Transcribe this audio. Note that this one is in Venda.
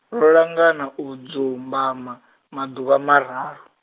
ro langana u dzumbama, maḓuvha mararu.